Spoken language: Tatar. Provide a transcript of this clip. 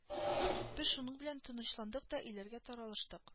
Без шуның белән тынычландык та өйләргә таралыштык